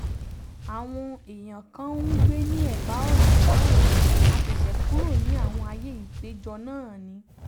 Àwọn èèyàn kan ń gbé ní ẹ̀bá-ọ̀nà náà, a ṣẹ̀ṣẹ̀ kúrò ní àwọn àyè ìpéjọ náà ni.